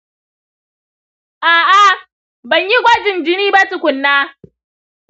a’a, ban yi gwajin jini ba tukuna.